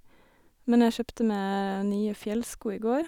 Men jeg kjøpte meg nye fjellsko i går.